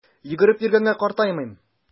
Йөгереп йөргәнгә картаймыйм!